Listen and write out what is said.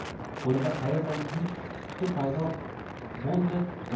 qo'lida qaerdan gugurt quti paydo bo'lib qoldi